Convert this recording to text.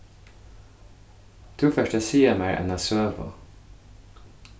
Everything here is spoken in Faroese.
tú fert at siga mær eina søgu